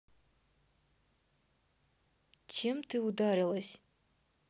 чем ты ударилась